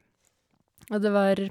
Og det var...